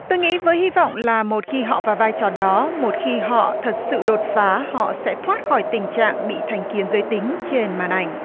tôi nghĩ với hy vọng là một khi họ vào vai trò đó một khi họ thật sự đột phá họ sẽ thoát khỏi tình trạng bị thành kiến giới tính trên màn ảnh